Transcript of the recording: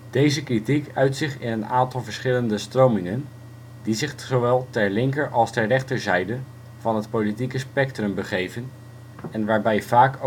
Deze kritiek uit zich in een aantal verschillende stromingen die zich zowel ter linker als ter rechterzijde van het politieke spectrum begeven en waarbij vaak